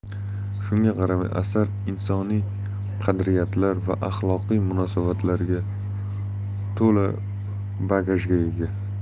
shunga qaramay asar insoniy qadriyatlar va axloqiy munosabatlarga to'la bagajga ega